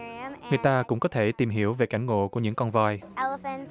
người ta cũng có thể tìm hiểu về cảnh ngổ của nhửng con voi voi